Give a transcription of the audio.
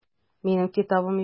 Минем китабым юк.